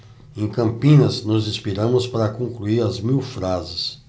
em campinas nos inspiramos para concluir as mil frases